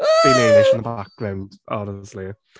Billie Eilish in the background. Honestly.